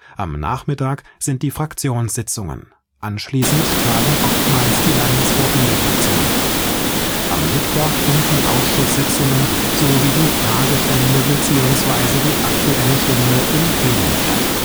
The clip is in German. Am Nachmittag sind die Fraktionssitzungen, anschließend tagen oftmals die Landesgruppen der Fraktionen. Am Mittwoch finden Ausschusssitzungen sowie die Fragestunde beziehungsweise die Aktuelle Stunde im Plenum statt